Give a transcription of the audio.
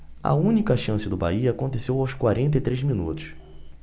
a única chance do bahia aconteceu aos quarenta e três minutos